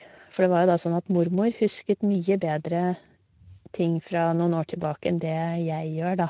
For det var jo da sånn at mormor husket mye bedre ting fra noen år tilbake enn det jeg gjør, da.